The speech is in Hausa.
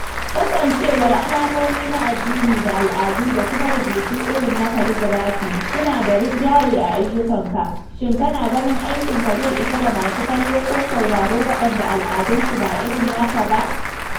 Kasancewar alamomi na addini da al’adu da kuma rubutu irin na kaligrafi suna da rinjaye a ayyukanka, shin kana ganin aikinka zai isa ga masu kallo ko sauraro waɗanda al'adun su ba irin naka ba?